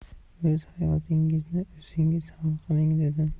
o'z hayotingizni o'zingiz hal qiling dedim